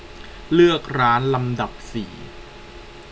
เลือกร้านลำดับสี่